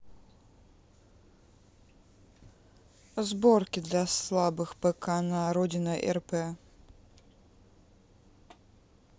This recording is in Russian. сборки для слабых пк на родина рп